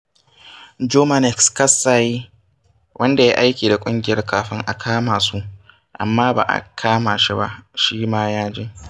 Jomaneɗ Kasaye, wanda ya yi aiki da ƙungiyar kafin a kama su (amma ba a kama shi ba) shi ma ya je.